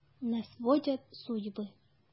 Йөртә безне язмышлар.